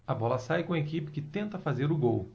a bola sai com a equipe que tenta fazer o gol